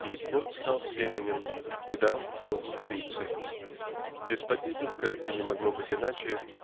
И плод стал семенем и дал плод сторицей. Деспотизм как и не могло быть иначе